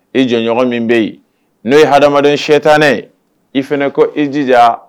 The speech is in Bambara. I jɔɲɔgɔn min bɛ yen n'o ye hadamaden sɛtanɛ ye, i fana ko i jija